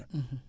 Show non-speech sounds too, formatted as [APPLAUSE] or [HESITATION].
[HESITATION] [HESITATION]